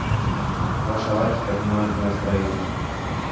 ваши лайки поднимают мне настроение